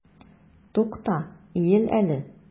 Тукта, иел әле!